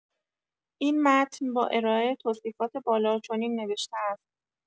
این متن با ارائه توصیفات بالا چنین نوشته است